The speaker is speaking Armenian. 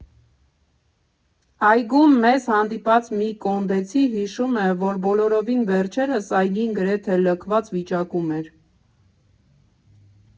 Այգում մեզ հանդիպած մի կոնդեցի հիշում է, որ բոլորովին վերջերս այգին գրեթե լքված վիճակում էր.